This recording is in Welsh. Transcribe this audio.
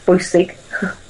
bwysig.